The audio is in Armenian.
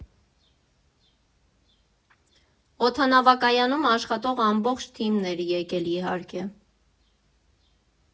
Օդանավակայանում աշխատող ամբողջ թիմն էր եկել, իհարկե։